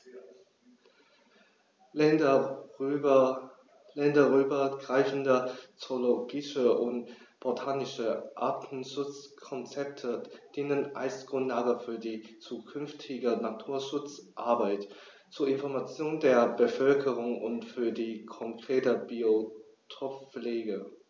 Länderübergreifende zoologische und botanische Artenschutzkonzepte dienen als Grundlage für die zukünftige Naturschutzarbeit, zur Information der Bevölkerung und für die konkrete Biotoppflege.